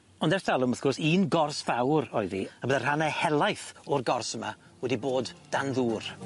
Ond ers dalwm wrth gwrs un gors fawr oedd hi a bydde rhanne helaeth o'r gors yma wedi bod dan ddŵr.